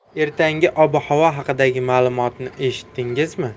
ertangi ob havo haqidagi ma'lumotni eshitdingizmi